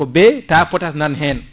ko be tawa potasse nani he